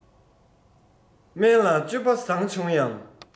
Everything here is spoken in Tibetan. དམན ལ སྤྱོད པ བཟང བྱུང ཡང